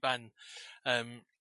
ben erm